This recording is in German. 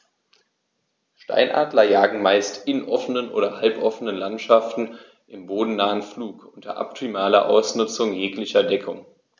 Steinadler jagen meist in offenen oder halboffenen Landschaften im bodennahen Flug unter optimaler Ausnutzung jeglicher Deckung.